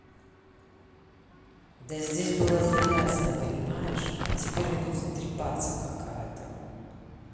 да здесь было завязано понимаешь а теперь он будет трепаться какая то